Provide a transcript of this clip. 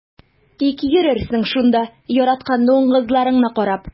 Тик йөрерсең шунда яраткан дуңгызларыңны карап.